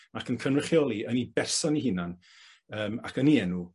ac yn cynrychioli yn 'i berson 'i hunan yym ac yn 'i enw,